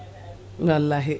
wallahi